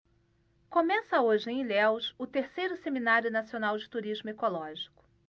começa hoje em ilhéus o terceiro seminário nacional de turismo ecológico